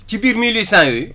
ci biir mille huit cent yooyu